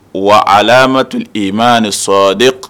Wa alamat ma nin sɔ de